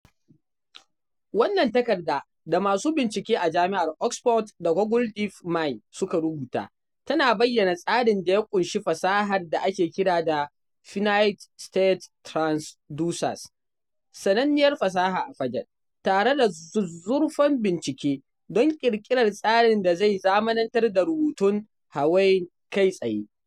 Wannan takarda, da masu bincike a Jami’ar Oxford da Google Deep Mind suka rubuta, tana bayyana tsarin da ya ƙunshi fasahar da ake kira da “finite state transducers,” sananniyar fasaha a fagen, tare da zuzzurfan bincike don ƙirƙirar tsarin da zai zamanantar da rubutun Hawaiian kai tsaye.